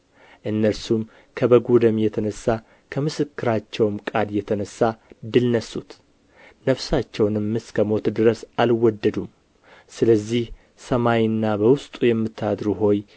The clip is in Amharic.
እነርሱም ከበጉ ደም የተነሣ ከምስክራቸውም ቃል የተነሣ ድል ነሡት ነፍሳቸውንም እስከ ሞት ድረስ አልወደዱም ስለዚህ ሰማይና በውስጡ የምታድሩ ሆይ